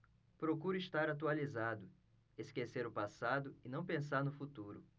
procuro estar atualizado esquecer o passado e não pensar no futuro